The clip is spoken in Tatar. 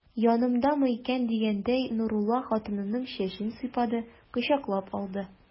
Янымдамы икән дигәндәй, Нурулла хатынының чәчен сыйпады, кочаклап алды.